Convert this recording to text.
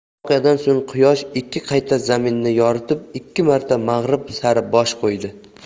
shu voqeadan so'ng quyosh ikki qayta zaminni yoritib ikki marta mag'rib sari bosh qo'ydi